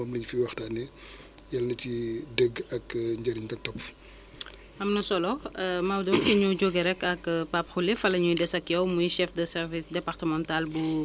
donc ces rayons infra rouge là dañuy yokku yokk chaleur bi mu indi donc un certain piégeage donc au nivaeu donc de l' atmosphère mais ngeen jàpp rek ni que ni changement climatique bi ñu ngi koy dund dund yu métti métti métti métti